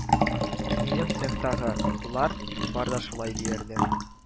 Минем цехтагы лар бар да шулай диярләр